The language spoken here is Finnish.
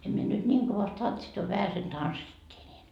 en minä nyt niin kovasti tanssinut a vähäsen tanssittiin niin